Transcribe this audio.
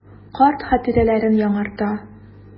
Карт хатирәләрен яңарта.